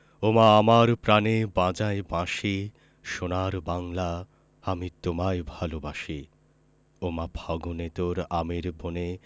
ওমা আমার প্রানে বাজায় বাঁশি সোনার বাংলা আমি তোমায় ভালোবাসি ওমা ফাগুনে তোর আমের বনে